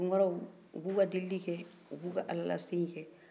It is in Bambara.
tunkaraw u b'u ka deli kɛ u b'u ka ala lase kɛ